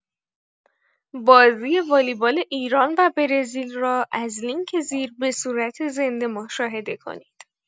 بازی والیبال ایران و برزیل را از لینک زیر بصورت زنده مشاهده کنید.